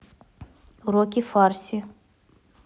уроки фарси